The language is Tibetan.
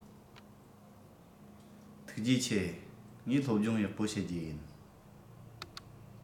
ཐུགས རྗེ ཆེ ངས སློབ སྦྱོང ཡག པོ བྱེད རྒྱུ ཡིན